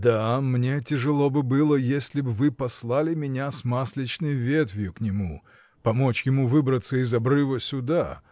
— Да, мне тяжело бы было, если б вы послали меня с масличной ветвью к нему, помочь ему выбраться из обрыва сюда.